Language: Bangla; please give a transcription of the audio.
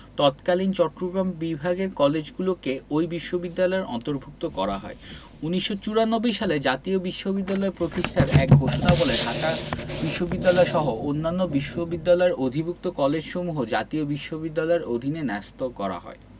তৎকালীন চট্টগ্রাম বিভাগের কলেজগুলোকে ওই বিশ্ববিদ্যালয়ের অন্তর্ভুক্ত করা হয় ১৯৯৪ সালে জাতীয় বিশ্ববিদ্যালয় প্রতিষ্ঠার এক ঘোষণাবলে ঢাকা বিশ্ববিদ্যালয়সহ অন্যান্য বিশ্ববিদ্যালয়ের অধিভুক্ত কলেজসমূহ জাতীয় বিশ্ববিদ্যালয়ের অধীনে ন্যস্ত করা হয়